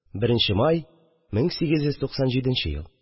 1 нче май 1897 ел